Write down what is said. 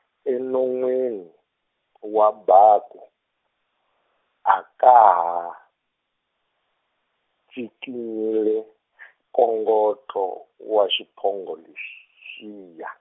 enon'weni wa baku a ka ha, ncikinyile nkongotlo wa xiphongo lexiya.